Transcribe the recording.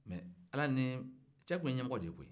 mɛ ala nin cɛ tun ye ɲɛmɔgɔ de ye koyi